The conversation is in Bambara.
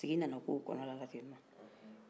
tigi nana ko kɔnɔna ten nɔn